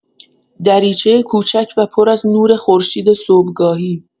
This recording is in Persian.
دریچه کوچک و پر از نور خورشید صبحگاهی